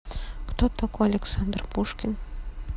кто такой александр пушкин